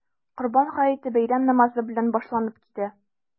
Корбан гаете бәйрәм намазы белән башланып китә.